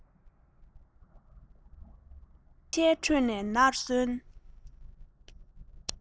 དཔེ ཆའི ཁྲོད ནས ནར སོན